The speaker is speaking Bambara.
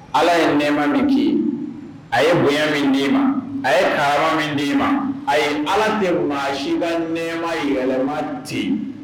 Ala ye nɛɛma min k'i ye, a ye bonya min d'i ma, a ye karama min d'i ma, a ye Ala tɛ maa si ka nɛɛma yɛlɛma ten